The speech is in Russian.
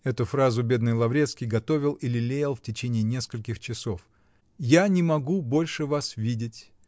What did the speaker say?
(Эту фразу бедный Лаврецкий готовил и лелеял в течение нескольких часов. ) Я не могу больше вас видеть